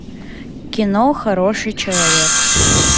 кино хороший человек